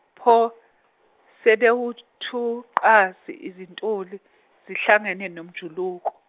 pho, sebewuthunqasi izintuli zihlangene nomjuluko.